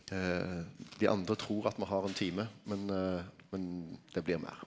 dei andre trur at me har ein time, men men det blir meir.